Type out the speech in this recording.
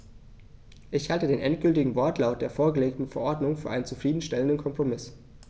Ich halte den endgültigen Wortlaut der vorgelegten Verordnung für einen zufrieden stellenden Kompromiss.